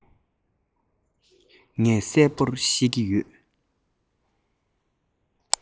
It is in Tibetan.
ངས གསལ པོར ཤེས ཀྱི ཡོད